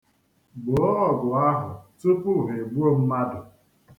Gboo ọgụ ahụ tupu ha egbuo mmadụ.